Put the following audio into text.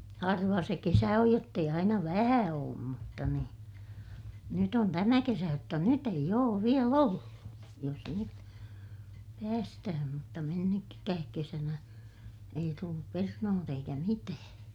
harva se kesä on jotta ei aina vähän ole mutta niin nyt on tämä kesä jotta nyt ei ole vielä ollut jos nyt päästään mutta - mennytkään kesänä ei tullut perunoita eikä mitään